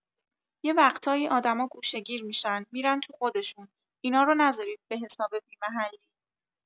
یه وقتایی آدما گوشه‌گیر می‌شن می‌رن تو خودشون، اینا رو نذارید به‌حساب بی‌محلی!